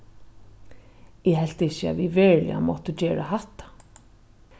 eg helt ikki at vit veruliga máttu gera hatta